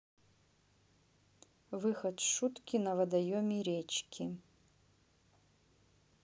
выход шутки на водоеме речки